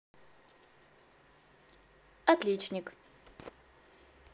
отличник